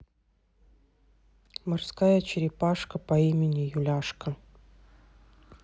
морская черепашка по имени юляшка